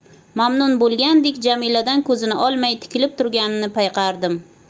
mamnun bo'lgandek jamiladan ko'zini olmay tikilib turganini payqardim